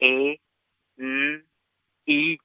E, N, I.